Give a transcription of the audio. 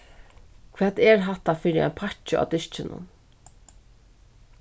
hvat er hatta fyri ein pakki á diskinum